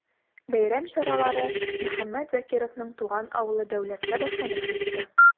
Бәйрәм чаралары Мөхәммәт Закировның туган авылы Дәүләттә башланып китте.